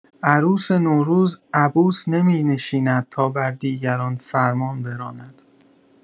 عروس نوروز، عبوس نمی‌نشیند تا بر دیگران فرمان براند.